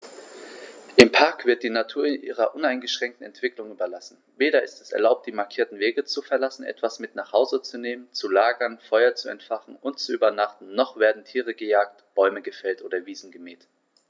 Im Park wird die Natur ihrer uneingeschränkten Entwicklung überlassen; weder ist es erlaubt, die markierten Wege zu verlassen, etwas mit nach Hause zu nehmen, zu lagern, Feuer zu entfachen und zu übernachten, noch werden Tiere gejagt, Bäume gefällt oder Wiesen gemäht.